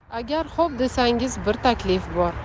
agar xo'p desangiz bir taklif bor